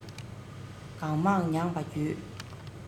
གང མང མྱངས པ བརྒྱུད